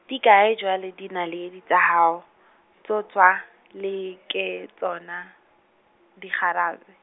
di kae jwale dinaledi tsa hao, tsotwa le ke tsona, dikgarar- e-.